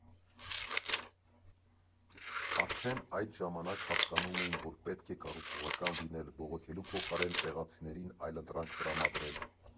Արդեն այդ ժամանակ հասկանում էին, որ պետք է կառուցողական լինել, բողոքելու փոխարեն տեղացիներին այլընտրանք տրամադրել։